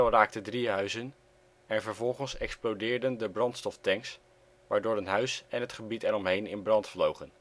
raakte drie huizen, en vervolgens explodeerden de brandstoftanks waardoor een huis en het gebied er omheen in brand vlogen